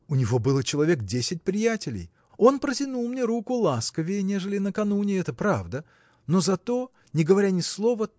У него было человек десять приятелей. Он протянул мне руку ласковее нежели накануне – это правда но зато не говоря ни слова